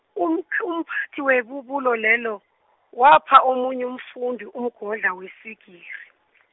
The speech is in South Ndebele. ump- umphathi webubulo lelo, wapha omunye umfundi umgodlana weswigiri.